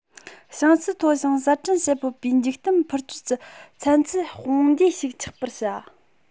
བྱང ཚད མཐོ ཞིང གསར སྐྲུན བྱེད ཕོད པའི འཇིག རྟེན འཕུར སྐྱོད ཀྱི ཚན རྩལ དཔུང སྡེ ཞིག ཆགས པར བྱ